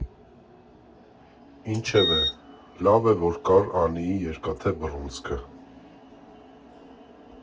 Ինչևէ, լավ է, որ կար Անիի երկաթե բռունցքը։